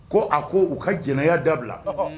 Ko a ko u ka jɛnɛya dabila